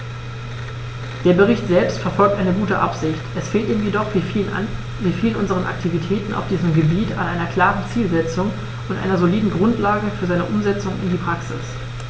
Der Bericht selbst verfolgt eine gute Absicht, es fehlt ihm jedoch wie vielen unserer Aktivitäten auf diesem Gebiet an einer klaren Zielsetzung und einer soliden Grundlage für seine Umsetzung in die Praxis.